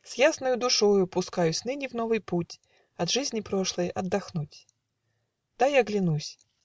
С ясною душою Пускаюсь ныне в новый путь От жизни прошлой отдохнуть. Дай оглянусь.